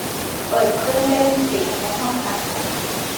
เปิดเครื่องเล่นเสียงในห้องอาหาร